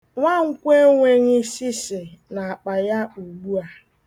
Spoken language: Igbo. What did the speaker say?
Nwankwọ enweghị shịshị n'akpa ya ugbua.